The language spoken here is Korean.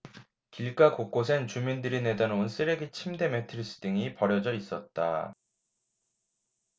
길가 곳곳엔 주민들이 내다 놓은 쓰레기 침대 매트리스 등이 버려져 있었다